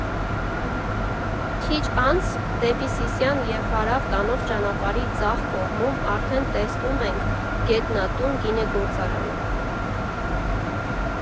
Քիչ անց, դեպի Սիսիան և հարավ տանող ճանապարհի ձախ կողմում արդեն տեսնում ենք «Գետնատուն» գինեգործարանը։